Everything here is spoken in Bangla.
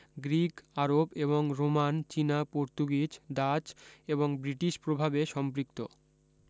গ্রীক আরব এবং রোমান চীনা পর্তুগীজ ডাচ এবং ব্রিটিশ প্রভাবে সম্পৃক্ত